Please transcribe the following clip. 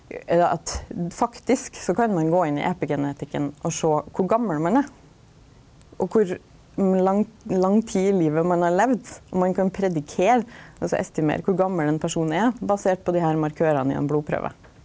at faktisk så kan ein gå inn i epigenetikken og sjå kor gammal ein er og kor lang tid i livet ein har levd, og ein kan predikera altså estimera kor gammal ein person er basert på dei her markørane i ei blodprøve.